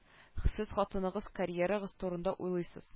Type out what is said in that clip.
Сез хатыныгыз карьерагыз турында уйлыйсыз